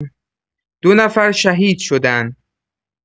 دو نفر شهید شدن.